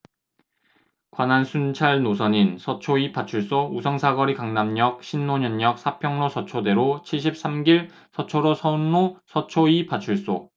관할 순찰 노선인 서초 이 파출소 우성사거리 강남역 신논현역 사평로 서초대로 칠십 삼 길 서초로 서운로 서초 이 파출소